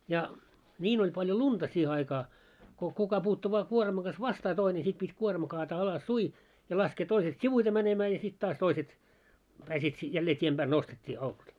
ja niin oli paljon lunta siihen aikaa kun kuka puuttui vain kuorman kanssa vastaan toinen sitten piti kuorma kaataa alassuin ja laskee toiset sivuiten menemään ja sitten taas toiset pääsivät jälleen tien päälle nostettiin -